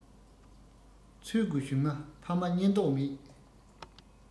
འཚོལ དགོས བྱུང ན ཕ མ རྙེད མདོག མེད